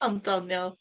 Ond doniol.